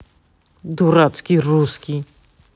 дурацкий русский